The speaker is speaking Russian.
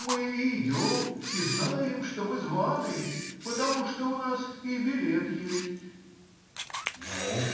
мы и идем и знаем, что мы званы, потому что у нас и билет есть. — Ну!